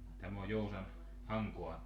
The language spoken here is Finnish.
ja tämä on Joutsan Hankaa